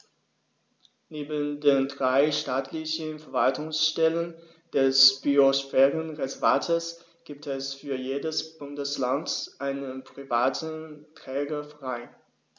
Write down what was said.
Neben den drei staatlichen Verwaltungsstellen des Biosphärenreservates gibt es für jedes Bundesland einen privaten Trägerverein.